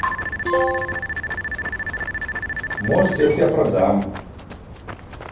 может я тебя продам